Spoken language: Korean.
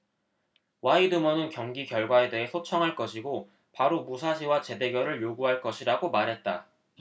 와이드먼은 경기 결과에 대해 소청할 것이고 바로 무사시와 재대결을 요구할 것이라고 말했다